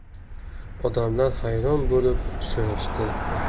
odamlar hayron bo'lib so'rashdi